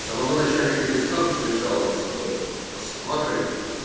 Самому начальнику дистанции жаловаться буду. Посмотрим!